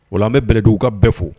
Wa an bɛ bɛlɛduguw ka bɛɛ fo